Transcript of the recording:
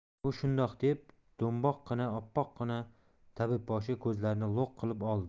u shundoq deb do'mboqqina oppoqqina tabibboshiga ko'zlarini lo'q qilib oldi